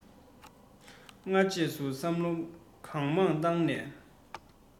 སྔ རྗེས སུ བསམ བློ གང མང བཏང ནས